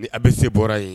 Ni a bɛ se bɔra yen